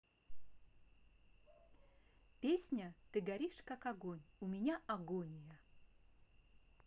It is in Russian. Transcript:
песня ты горишь как огонь у меня агонь я